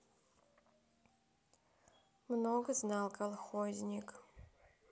много знал колхозник